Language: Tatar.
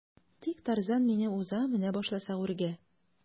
Тик Тарзан мине уза менә башласак үргә.